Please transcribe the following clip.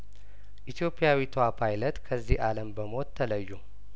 ኢትዮጵያዊቷ ፓይለት ከዚህ አለም በሞት ተለዩ